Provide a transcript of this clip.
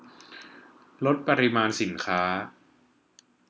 ลดปริมาณสินค้า